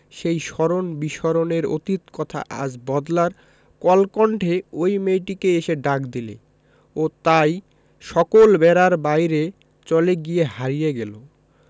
সেই স্মরণ বিস্মরণের অতীত কথা আজ বদলার কলকণ্ঠে ঐ মেয়েটিকে এসে ডাক দিলে ও তাই সকল বেড়ার বাইরে চলে গিয়ে হারিয়ে গেল